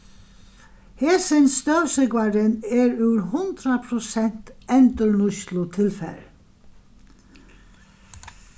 hesin støvsúgvarin er úr hundrað prosent endurnýtslutilfari